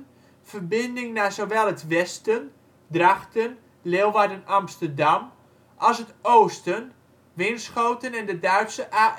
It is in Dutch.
verbindingen naar zowel het westen (Drachten, Leeuwarden, Amsterdam) als het oosten (Winschoten en de Duitse A31